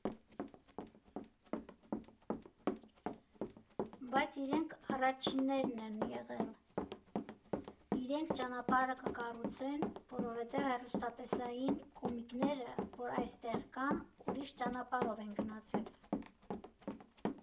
Բայց իրենք առաջիններն են եղել, իրենք ճանապարհը կկառուցեն, որովհետև հեռուստատեսային կոմիկները, որ այստեղ կան, ուրիշ ճանապարհով են գնացել։